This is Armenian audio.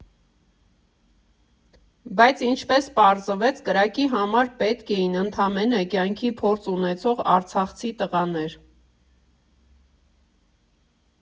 Բայց ինչպես պարզվեց, կրակի համար պետք էին ընդամենը կյանքի փորձ ունեցող արցախցի տղաներ։